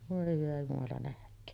voi hyvä jumala nähköön